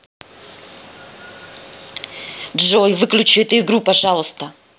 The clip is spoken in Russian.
джой выключи эту игру пожалуйста